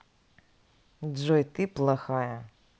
джой ты плохая